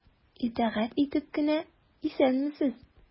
Итагать итеп кенә:— Исәнмесез!